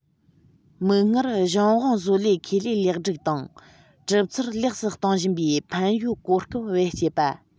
མིག སྔར གཞུང དབང བཟོ ལས ཁེ ལས ལེགས སྒྲིག དང གྲུབ ཚུལ ལེགས སུ གཏོང བཞིན པའི ཕན ཡོད གོ སྐབས བེད སྤྱད པ